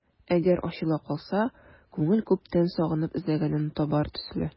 Әгәр ачыла калса, күңел күптән сагынып эзләгәнен табар төсле...